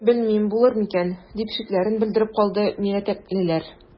Белмим, булыр микән,– дип шикләрен белдереп калды мирәтәклеләр.